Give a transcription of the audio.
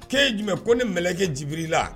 K'e jumɛn ko ne mɛlɛkɛ Jibirila